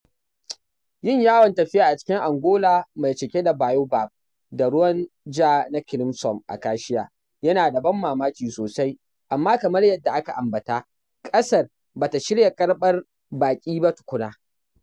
Yin yawon tafiya a cikin Angola mai cike da baobab da ruwan ja na Crimson Acacia yana da ban mamaki sosai, amma kamar yadda aka ambata, ƙasar ba ta shirya karɓar baƙi ba tukuna.